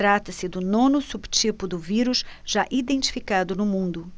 trata-se do nono subtipo do vírus já identificado no mundo